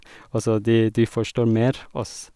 Også de de forstår mer oss.